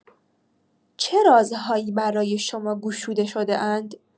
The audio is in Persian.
چه رازهایی برشما گشوده شده‌اند؟